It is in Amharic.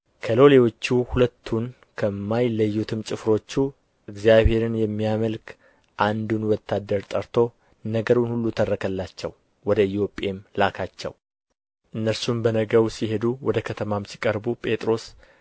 ከሎሎዎቹ ሁለቱን ከማይለዩትም ጭፍሮቹ እግዚአብሔርን የሚያመልክ አንዱን ወታደር ጠርቶ ነገሩን ሁሉ ተረከላቸው ወደ ኢዮጴም ላካቸው እነርሱም በነገው ሲሄዱ ወደ ከተማም ሲቀርቡ ጴጥሮስ